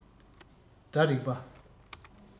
སྒྲ རིག པ